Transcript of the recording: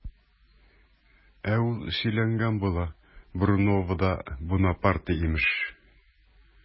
Ә ул сөйләнгән була, Бруновода Бунапарте имеш!